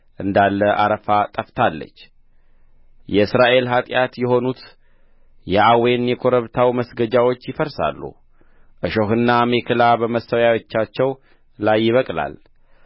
እንዳለ አረፋ ጠፍታለች የእስራኤል ኃጢአት የሆኑት የአዌን የኮረብታው መስገጃዎች ይፈርሳሉ እሾህና አሜከላ በመሠዊያዎቻቸው ላይ ይበቅላል